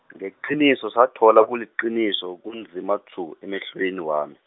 ngeqiniso sathola kuliqiniso kunzima tshu emehlweni wami.